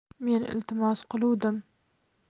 men iltimos qiluvdim